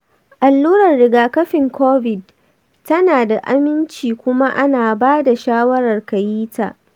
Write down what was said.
allurar rigakafin covid tana da aminci kuma ana ba da shawarar ka yi ta.